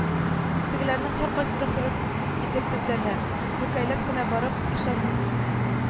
Тегеләрнең һәркайсы дә кереп итеп тезләнә, мүкәйләп кенә барып, ишанның